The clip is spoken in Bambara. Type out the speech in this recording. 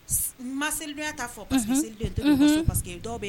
Masidonya' fɔ parce parceseke dɔw bɛ